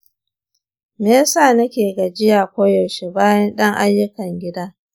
me ya sa nake gajiya koyaushe bayan ɗan ayyukan gida?